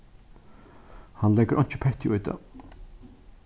hann leggur einki petti í tað